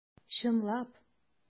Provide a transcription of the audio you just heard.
Чынлап!